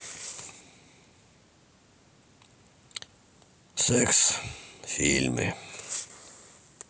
секс фильмы